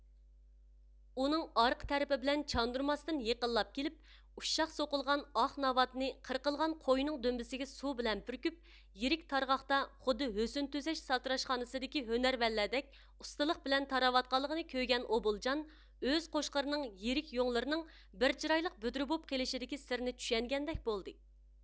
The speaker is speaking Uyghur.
ئۇنىڭ ئارقا تەرىپى بىلەن چاندۇرماستىن يېقىنلاپ كېلىپ ئۇششاق سوقۇلغان ئاق ناۋاتنى قىرقىلغان قوينىڭ دۈمبىسىگە سۇ بىلەن پۈركۈپ يىرىك تارغاقتا خۇددى ھۆسن تۈزەش ساتىراچخانىسىدىكى ھۈنەرۋەنلەردەك ئۇستىلىق بىلەن تاراۋاتقانلىقىنى كۆرگەن ئۇبۇلجان ئۆز قوچقىرىنىڭ يىرىك يۇڭلىرىنىڭ بىر چىرايلىق بۈدرە بولۇپ قېلىشىدىكى سىرنى چۈشەنگەندەك بولدى